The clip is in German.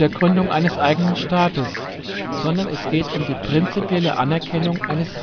Gründung eines eigenen Staates, sondern es geht um die prinzipielle Anerkennung eines